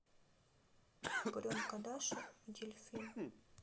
буренка даша и дельфин